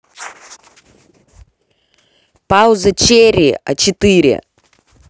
пауза черри а четыре